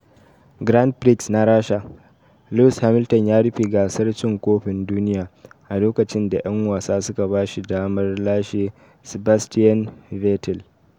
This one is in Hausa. Grand Prix na Rasha: Lewis Hamilton ya rufe gasar cin kofin duniya a lokacin da 'yan wasa suka ba shi damar lashe Sebastian Vettel